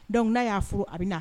Dɔnku n'a y'a furu a bɛ na